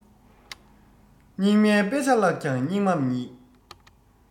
སྙིགས མའི དཔེ ཆ བཀླགས ཀྱང སྙིགས མ ཉིད